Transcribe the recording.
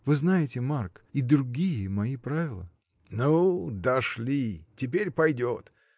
Вы знаете, Марк, и другие мои правила. — Ну, дошли! теперь пойдет!